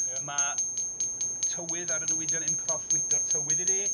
Ie... mae tywydd ar y newyddion yn proffwydo'r tywydd i ni.